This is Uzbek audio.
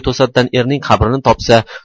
to'satdan erining qabrini topsa